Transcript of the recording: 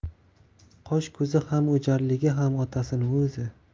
qosh ko'zi ham o'jarligi ham otasini o'zi